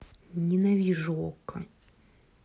ненавижу okko